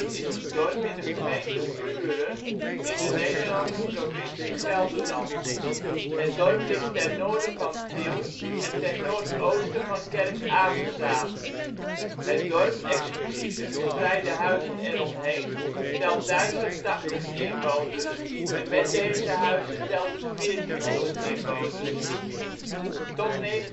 is een dorp in de gemeente Buren, in de Nederlandse provincie Gelderland. Het dorp ligt ten noorden van Tiel en ten noordoosten van Kerk-Avezaath. Het dorp exclusief de verspreide huizen eromheen telt 1080 inwoners en met deze huizen telt het 1400 inwoners (2006). Tot 1978